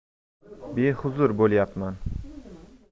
behuzur bo'layapman